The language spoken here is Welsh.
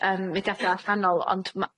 yym mudiada allanol, ond ma'-